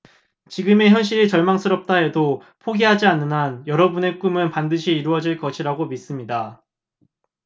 지금의 현실이 절망스럽다 해도 포기하지 않는 한 여러분의 꿈은 반드시 이뤄질 것이라고 믿습니다